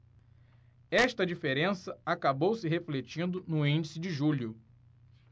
esta diferença acabou se refletindo no índice de julho